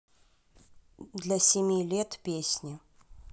для семи лет песни